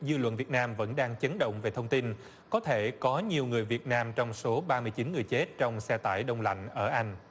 dư luận việt nam vẫn đang chấn động về thông tin có thể có nhiều người việt nam trong số ba mươi chín người chết trong xe tải đông lạnh ở anh